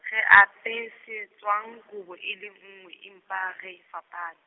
re apesitswang, kobo e le nngwe, empa re fapane.